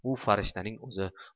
u farishtaning o'zi